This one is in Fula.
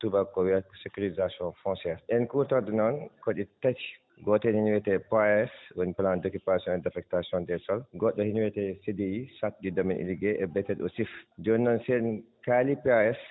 ko tubaako ko wiyata sécurisation fonciére ɗeen kuutorɗe noon ko ɗe tati gooto heen wiyetee ko POAS woni plan d' occupation et d' affectation des sols goɗɗo ne wiyetee CDI charte du domaine iriguer e biyeteeɗo SIF jooni noon si en kaalii POAS